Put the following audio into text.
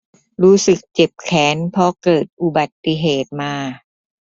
รู้สึกเจ็บแขนเพราะเกิดอุบัติเหตุมา